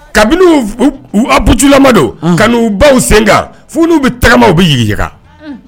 Kabinibu ka uu baw sen kan f'u bɛ tagamaw bɛ jigika